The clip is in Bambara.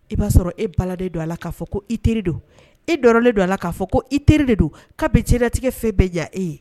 I b'a sɔrɔ e balannen don a la k'a fɔ ko i teri don e nɔrɔlen don a la k'a fɔ ko i teri de don k'a bɛ diɲɛnatigɛ fɛn bɛɛ ɲɛ e ye